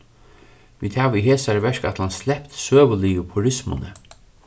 vit hava í hesari verkætlan slept søguligu purismuni